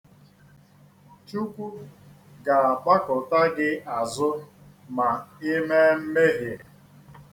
Chukwu ga-agbakụta gị azụ ma i mee mmehie.